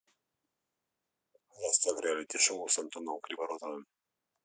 холостяк реалити шоу с антоном криворотовым